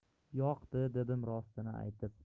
yoqdi dedim rostini aytib